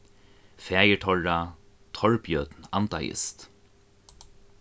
faðir teirra torbjørn andaðist